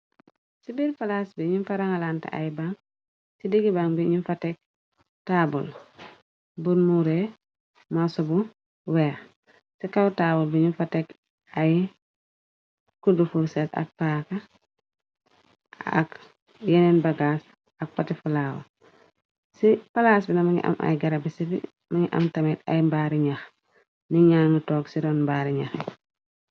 Ci biir palaas bi ñu fa rangalante ay bang, ci diggi bang bi ñu fa tek taabul bun mure marso bu weex. Ci kaw taabal bi ñu fa tek ay cuddu, fulset ak paaka ak yeneen bagaas ak poti fulaawa, ci palaas bi mungi am ay garabi cibii, mangi am tamit ay mbaari ñyax ni ñang toog ci ron mbaari ñyax.